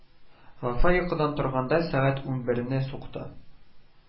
Вафа йокыдан торганда, сәгать унберне сукты